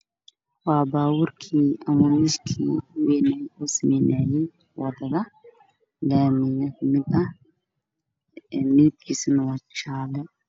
Waa gaari wiish ah midabkiis yahay gaalo waa la gaari weyn wax ayuu gurayaa